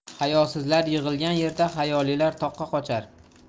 hayosizlar yig'ilgan yerda hayolilar toqqa qochar